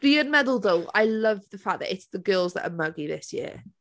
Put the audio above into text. Fi yn meddwl, ddo I love the fact that it's the girls that are muggy this year.